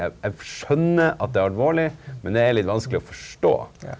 jeg jeg skjønner at det er alvorlig, men det er litt vanskelig å forstå.